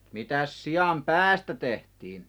mitäs sian päästä tehtiin